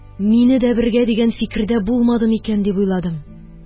Мине дә бергә дигән фикердә булмадымы икән дип уйладым